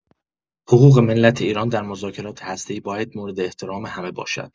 حقوق ملت ایران در مذاکرات هسته‌ای باید مورد احترام همه باشد.